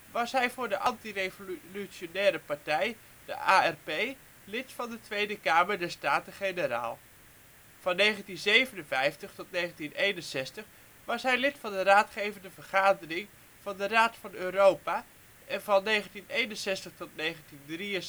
was hij voor de Anti-Revolutionaire Partij (ARP) lid van de Tweede Kamer der Staten-Generaal. Van 1957 tot 1961 was hij lid van de Raadgevende Vergadering van de Raad van Europa en van 1961 tot 1963 lid van het